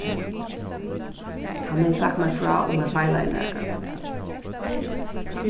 hann hevði sagt mær frá um har feilaði nakað